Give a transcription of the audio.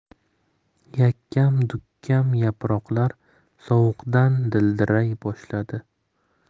yakkam dukkam yaproqlar sovuqdan dildiray boshladi